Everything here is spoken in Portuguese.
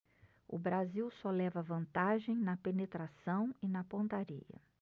o brasil só leva vantagem na penetração e na pontaria